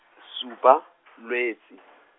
supa, Lwetse.